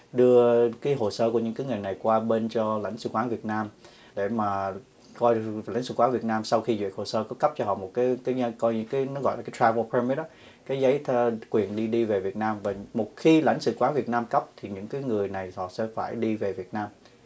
đưa cái hồ sơ của những cái người này qua bên cho lãnh sứ quán việt nam để mà coi lãnh sứ quán việt nam sau khi duyệt hồ sơ cung cấp cho họ một cái cái coi như cái gọi là cái tra vô pơ mít đó cái giấy quyền đi đi về việt nam và một khi mà lãnh sứ quán việt nam cấp thì những cái người này họ sẽ phải đi về việt nam